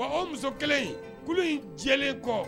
Wa o muso kelen tun in jɛlen kɔ